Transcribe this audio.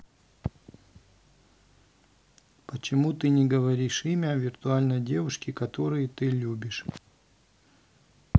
почему ты не говоришь имя виртуальной девушки которые ты любишь